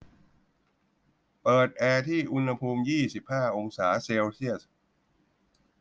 เปิดแอร์ที่อุณหภูมิยี่สิบห้าองศาเซลเซียส